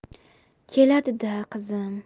keladi da qizim